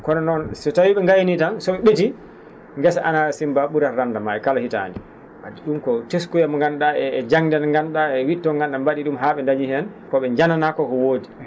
kono noon so tawii ?e ngaynii tan so ?e ?etii ngesa ANACIM ?urata rendement e kala hitaande wadde ?um ko teskuya mo nganndu?aa e e jannde nde nganndu?aa e witto mo nganndu?aa mba?i ?um haa ndañii heen ko ?e jananaa koko woodi